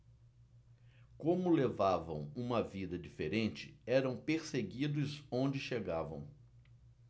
como levavam uma vida diferente eram perseguidos onde chegavam